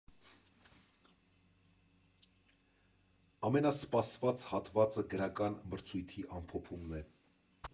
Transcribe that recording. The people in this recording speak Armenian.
Ամենասպասված հատվածը գրական մրցույթի ամփոփումն է.